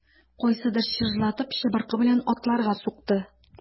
Кайсыдыр чыжлатып чыбыркы белән атларга сукты.